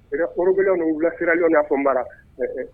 I ka kɔrɔgɛ' wulasira ɲɔgɔn'a fɔ mara